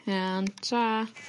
Iawn t'ra.